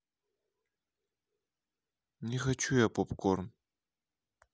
не хочу я попкорн